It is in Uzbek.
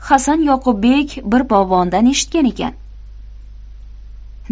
hasan yoqubbek bir bog'bondan eshitgan ekan